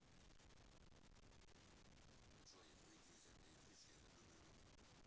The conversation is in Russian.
джой выйти из этой игры через одну минуту